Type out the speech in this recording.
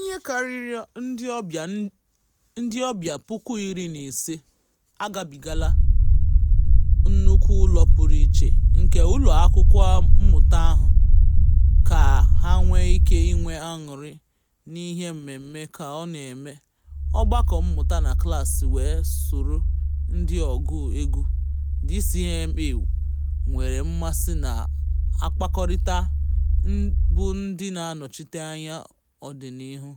Ihe karịrị ndị ọbịa 15,000 agabigaala nnukwu ụlọ pụrụ iche nke ụlọakwụkwọ mmụta ahụ ka ha nwee ike inwe añụrị n'ihe mmemme ka ọ na-eme, ọgbakọ mmụta na klaasị wee soro ndị ọgụ egwu DCMA nwere mmasị na-akpakọrịta bụ ndị na-anọchite anya ọdịnihu